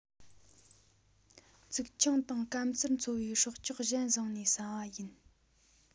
ཙིག ཆུང དང སྐམ སར འཚོ བའི སྲོག ཆགས གཞན བཟུང ནས ཟ བ ཡིན